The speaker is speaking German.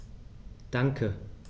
Danke.